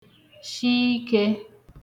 shi ikē